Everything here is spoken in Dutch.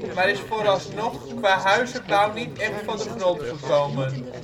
maar is vooralsnog qua huizenbouw niet echt van de grond gekomen